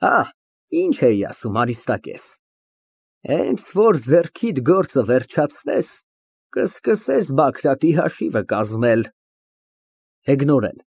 Հա ինչ էի ասում, Արիստակես, հենց որ ձեռքիդ գործը վերջացնես, կսկսես Բագրատի հաշիվը կազմել։ (Հեգնորեն)։